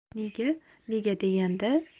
nega nega deganda